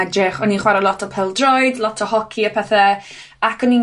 edrych, o'n i'n chware lot o pêl-droed, lot o hoci a pethe, ac o'n i'n